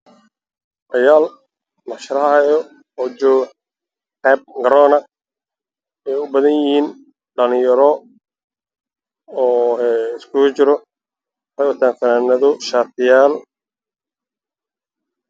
Ciyaal ka daawanaya ciyaar oo jooga garoon oo ay u badan yihiin dhalinyaro oo ay qabaan fanaanado iyo shatiyaal